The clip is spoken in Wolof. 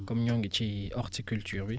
comme ñoo ngi ci orticulture bi